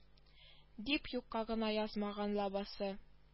Дип юкка гына язмаган лабаса